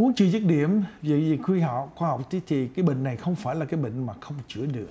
muốn chưa dứt điểm vụ việc khi họ khoa học duy trì cái bệnh này không phải là cái bệnh mà không chữa được